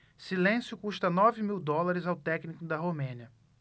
silêncio custa nove mil dólares ao técnico da romênia